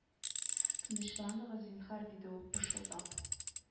Тынычланыгыз зинһар диде ул пышылдап